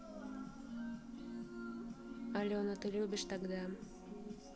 алена ты любишь тогда